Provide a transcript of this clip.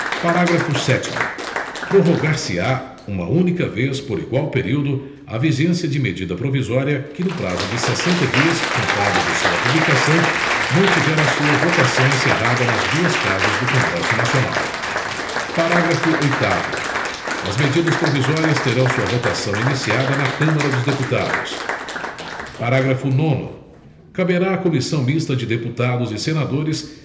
parágrafo sétimo prorrogar se á uma única vez por igual período a vigência de medida provisória que no prazo de sessenta dias contado de sua publicação não tiver a sua votação encerrada nas duas casas do congresso nacional parágrafo oitavo as medidas provisórias terão sua votação iniciada na câmara dos deputados parágrafo nono caberá à comissão mista de deputados e senadores